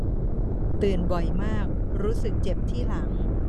ตื่นบ่อยมากรู้สึกเจ็บที่หลัง